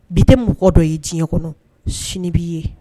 Bi tɛ mɔgɔ dɔ ye diɲɛ kɔnɔ sini b'i ye